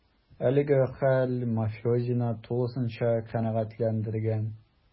Әлеге хәл мафиозины тулысынча канәгатьләндергән: